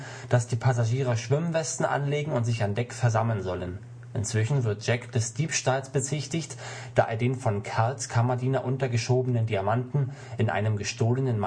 Passagiere Schwimmwesten anlegen und sich an Deck versammeln sollen. Inzwischen wird Jack des Diebstahls bezichtigt, da er den von Cals Kammerdiener untergeschobenen Diamanten in einem gestohlenen